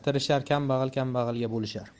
tirishar kambag'al kambag'alga bo'lishar